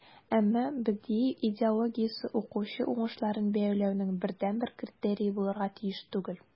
Әмма БДИ идеологиясе укучы уңышларын бәяләүнең бердәнбер критерие булырга тиеш түгел.